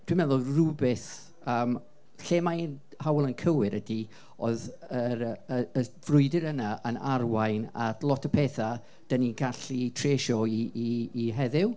Dwi'n meddwl rywbeth yym lle mae Hywel yn cywir ydy, oedd yr yy y y frwydr yna yn arwain at lot o pethau dan ni'n gallu treiso i i i heddiw.